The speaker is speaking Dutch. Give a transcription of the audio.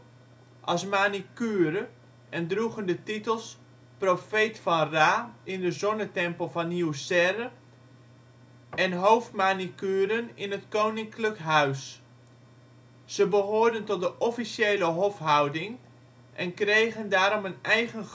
als manicure en droegen de titels Profeet van Ra in de zonnetempel van Nioeserre en Hoofdmanicuren in het Koninklijk Huis. Ze behoorden tot de officiële hofhouding en kregen daarom een eigen